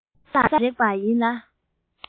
གོ ས ལ རེག པ ཡིན ལ